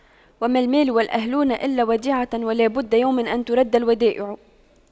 وما المال والأهلون إلا وديعة ولا بد يوما أن تُرَدَّ الودائع